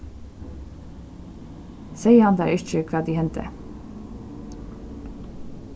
segði hann tær ikki hvat ið hendi